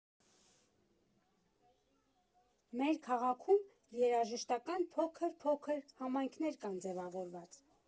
Մեր քաղաքում երաժշտական փոքր֊փոքր համայնքներ կան ձևավորված։